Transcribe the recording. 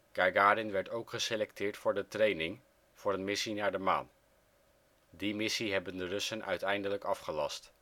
Gagarin werd ook geselecteerd voor de training voor een missie naar de maan. Die missie hebben de Russen uiteindelijk afgelast